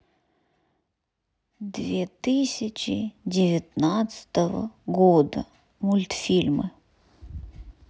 две тысячи девятнадцатого года мультфильмы